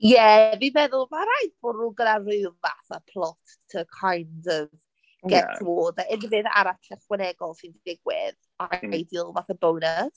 Ie, fi'n meddwl mae'n rhaid bo' nhw gyda rhyw fath o plot to kind of get towards. A unrhyw beth arall ychwanegol sy 'di digwydd, ideal fatha bonus.